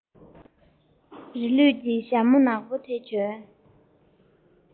རྗེས ལུས ཀྱི ཞྭ མོ ནག པོ དེ གྱོན